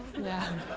dạ